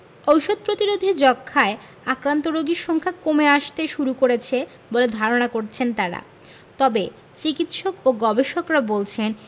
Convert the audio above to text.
ওষুধ প্রতিরোধী যক্ষ্মায় আক্রান্ত রোগীর সংখ্যা কমে আসতে শুরু করেছে বলে ধারণা করছেন তারা তবে চিকিৎসক ও গবেষকরা বলছেন